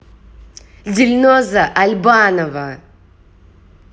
дильноза альбанова